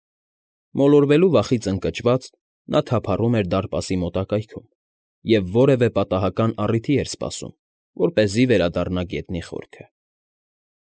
Մոլորվելու վախից ընկճված՝ նա թափառում էր դարպասի մոտակայքում և որևէ պատահական առիթի էր սպասում, որպեսզի վերադառնա գետնի խորքը։